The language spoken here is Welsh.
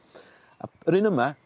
a yr un yma